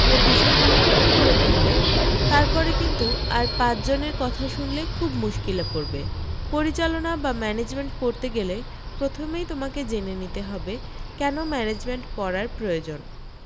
ও বিষয়গুলো ঠিক করে ফেলবে তার পরে কিন্তু আর পাঁচ জনের কথা শুনলে খুব মুশকিলে পড়বে পরিচালনা বা ম্যানেজমেন্ট পড়তে গেলে প্রথমেই তোমায় জেনে নিতে হবে কেন ম্যানেজমেন্ট পড়ার প্রয়োজন